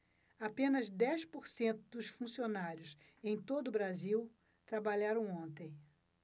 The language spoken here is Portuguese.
apenas dez por cento dos funcionários em todo brasil trabalharam ontem